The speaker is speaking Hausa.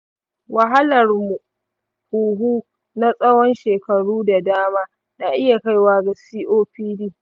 wahalarwar huhu na tsawon shekaru da dama na iya kaiwa ga copd.